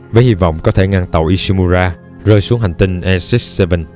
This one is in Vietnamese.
với hy vọng có thể ngăn tàu ishimura rơi xuống hành tinh aegis vii